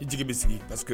I jigi bɛ sigi paseke